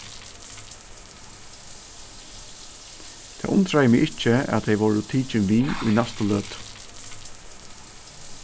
tað undraði meg ikki at tey vórðu tikin við í næstu løtu